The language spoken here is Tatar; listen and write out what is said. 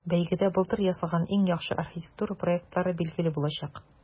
Бәйгедә былтыр ясалган иң яхшы архитектура проектлары билгеле булачак.